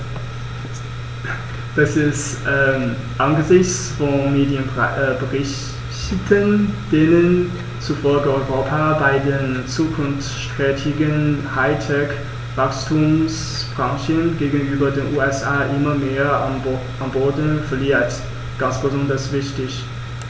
Das ist angesichts von Medienberichten, denen zufolge Europa bei den zukunftsträchtigen High-Tech-Wachstumsbranchen gegenüber den USA immer mehr an Boden verliert, ganz besonders wichtig.